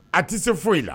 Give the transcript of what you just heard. A tɛ se fosi la.